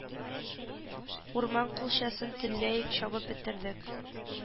Урман кулчасын тенләй чабып бетердек